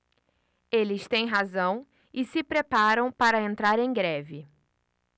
eles têm razão e se preparam para entrar em greve